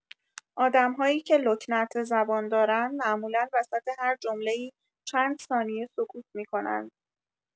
آدم‌هایی که لکنت زبان دارن، معمولا وسط هر جمله‌ای چند ثانیه سکوت می‌کنند